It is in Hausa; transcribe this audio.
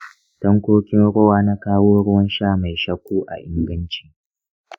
tankokin ruwa na kawo ruwan sha mai shakku a inganci.